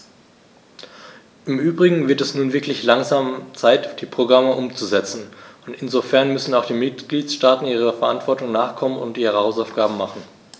Im übrigen wird es nun wirklich langsam Zeit, die Programme umzusetzen, und insofern müssen auch die Mitgliedstaaten ihrer Verantwortung nachkommen und ihre Hausaufgaben machen.